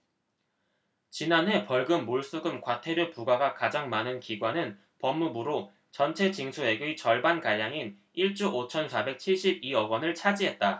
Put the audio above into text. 지난해 벌금 몰수금 과태료 부과가 가장 많은 기관은 법무부로 전체 징수액의 절반가량인 일 조 오천 사백 칠십 이 억원을 차지했다